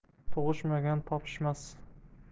tug'ishmagan topishmas